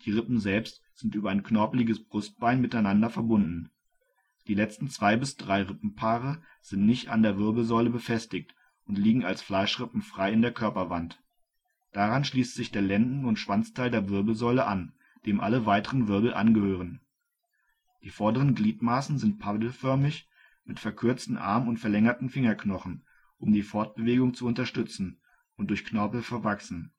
Rippen selbst sind über ein knorpeliges Brustbein miteinander verbunden. Die letzten zwei bis drei Rippenpaare sind nicht an der Wirbelsäule befestigt und liegen als Fleischrippen frei in der Körperwand. Daran schließt sich der Lenden - und Schwanzteil der Wirbelsäule an, dem alle weiteren Wirbel angehören. Die vorderen Gliedmaßen sind paddelförmig mit verkürzten Arm - und verlängerten Fingerknochen, um die Fortbewegung zu unterstützen, und durch Knorpel verwachsen